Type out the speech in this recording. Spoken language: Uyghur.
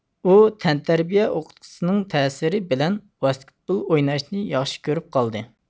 ئۇ تەنتەربىيە ئوقۇتقۇچىسىنىڭ تەسىرى بىلەن ۋاسكېتبول ئويناشنى ياخشى كۆرۈپ قالدى